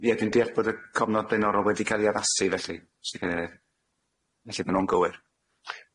Ie dwi'n deall bod y cofnod blaenorol wedi ca'l ei addasu felly Mr Cadeirydd felly ma' nw'n gywir.